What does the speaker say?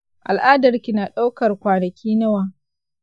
al’adarki na ɗaukar kwanaki nawa?